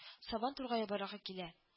Сабан тургае барлыкка килә